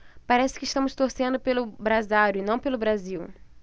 parece que estamos torcendo pelo brasário e não pelo brasil